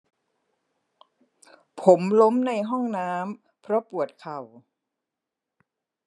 ผมล้มในห้องน้ำเพราะปวดเข่า